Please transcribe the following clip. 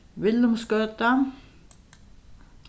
villumsgøta